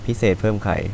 พิเศษเพิ่มไข่